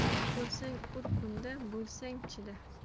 bolta bo'lsang ur kunda bo'lsang chida